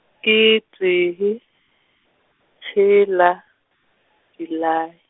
ke tee, tshela, Julae.